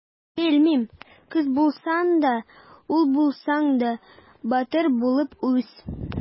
Белмим: кыз булсаң да, ул булсаң да, батыр булып үс!